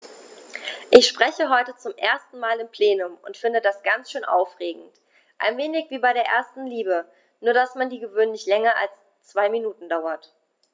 Ich spreche heute zum ersten Mal im Plenum und finde das ganz schön aufregend, ein wenig wie bei der ersten Liebe, nur dass die gewöhnlich länger als zwei Minuten dauert.